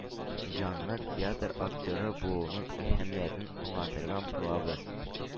Җанлы театр актеры булуның әһәмиятен аңлатырга омтылабыз.